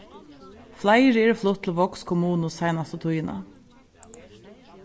fleiri eru flutt til vágs kommunu seinastu tíðina